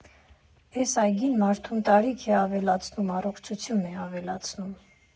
Էս այգին մարդուն տարիք է ավելացնում, առողջություն է ավելացնում։